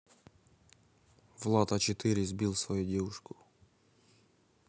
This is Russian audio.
влад а четыре сбил свою девушку